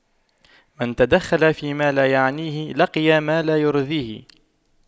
من تَدَخَّلَ فيما لا يعنيه لقي ما لا يرضيه